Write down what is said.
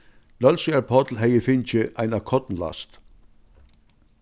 nólsoyar páll hevði fingið eina kornlast